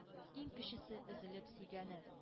Иң кечесе, өзелеп сөйгәне.